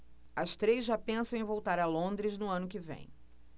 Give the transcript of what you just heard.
as três já pensam em voltar a londres no ano que vem